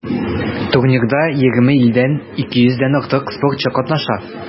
Турнирда 20 илдән 200 дән артык спортчы катнаша.